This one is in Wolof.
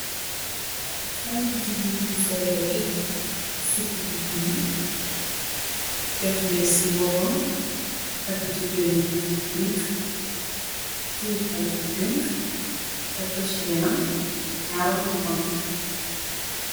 xaliku jigeen di sol daggi cirk bu buru def mée ci boppam takk ci bénn kus bu pink teepos bu pink takk cheenam ak ñaaroo noppam